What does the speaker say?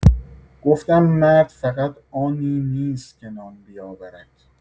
گفتم مرد فقط آنی نیست که نان بیاورد.